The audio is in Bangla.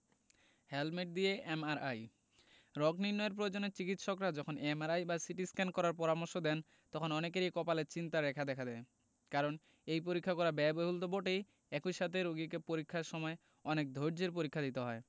হেলমেট দিয়ে এমআরআই রোগ নির্নয়ের প্রয়োজনে চিকিত্সকরা যখন এমআরআই বা সিটিস্ক্যান করার পরামর্শ দেন তখন অনেকের কপালে চিন্তার রেখা দেখা দেয় কারণ এই পরীক্ষা করা ব্যয়বহুল তো বটেই একই সাথে রোগীকে পরীক্ষার সময় অনেক ধৈর্য্যের পরীক্ষা দিতে হয়